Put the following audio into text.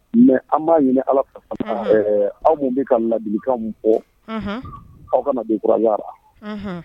Mɛ an b'a ɲini ala aw mun bɛ ka ladi fɔ aw kana biuranya la